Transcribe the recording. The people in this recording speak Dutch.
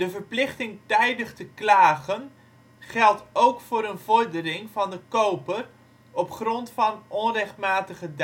verplichting tijdig te klagen geldt ook voor een vordering van de koper op grond van onrechtmatige